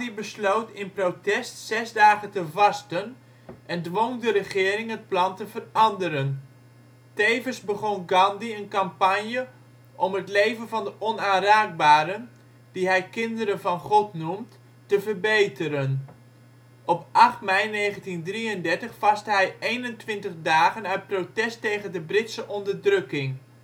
besloot in protest zes dagen te vasten en dwong de regering het plan te veranderen. Tevens begon Gandhi een campagne om het leven van de onaanraakbaren, die hij kinderen van God noemt, te verbeteren. Op 8 mei 1933 vastte hij 21 dagen uit protest tegen de Britse onderdrukking